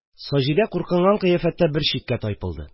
Саҗидә куркынган кыяфәттә бер читкә тайпылды.